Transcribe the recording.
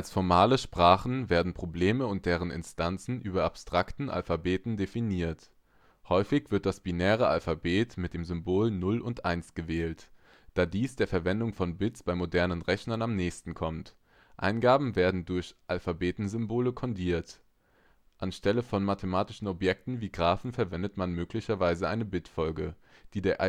formale Sprachen werden Probleme und deren Instanzen über abstrakten Alphabeten definiert. Häufig wird das binäre Alphabet mit den Symbolen 0 und 1 gewählt, da dies der Verwendung von Bits bei modernen Rechnern am nächsten kommt. Eingaben werden dann durch Alphabetsymbole kodiert. An Stelle von mathematischen Objekten wie Graphen verwendet man möglicherweise eine Bitfolge, die der Adjazenzmatrix